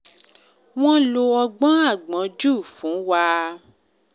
Wọ́n lo ọgbọ́n àgbọ́njù fún wa."